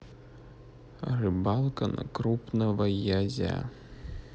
рыбалка на крупного язя